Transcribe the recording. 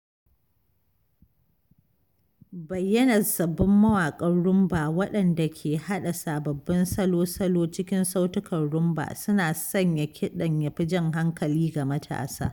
Bayyanar sabbin mawaƙan Rhumba waɗanda ke haɗa sababbin salo-salo cikin sautukan Rhumba suna sanya kiɗan ya fi jan hankali ga matasa.